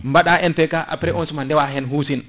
baɗa MPK après on suman ndewahen husina